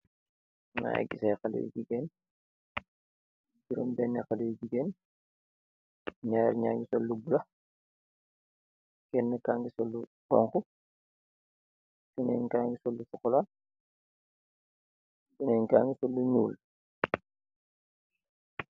Mangy gis aiiy haleh yu gigain, juromi bena haleh yu gigain, njarr nja ngi sol lu bleu, kenue kaangi sol lu honhu, kenen kaangui sol lu chocolat, kenen kaangui sol lu njull,.